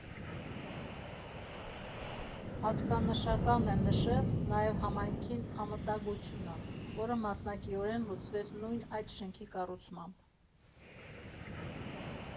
Հատկանշական է նշել նաև համայնքի անվտանգությունը, որը մասնակիորեն լուծվեց նույն այդ շենքի կառուցմամբ։